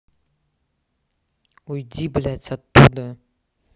уйди блядь оттуда